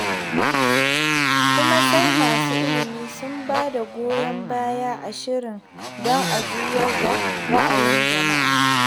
Kuma sai masu ilimi sun ba da goyon baya ga shirin don a juyar da ra'ayin jama'a.